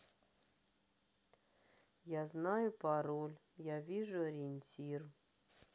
я знаю пароль я вижу ориентир